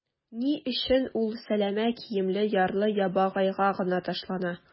Ни өчен ул сәләмә киемле ярлы-ябагайга гына ташлана?